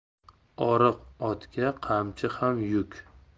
oriq otga qamchi ham yuk